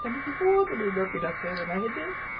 Dan ni 'di bod yn un o'r dinasoedd yna Hedydd?